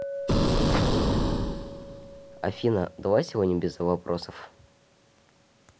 афина давай сегодня без вопросов